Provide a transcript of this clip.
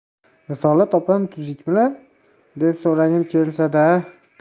risolat opam tuzukmilar deb so'ragim kelsa da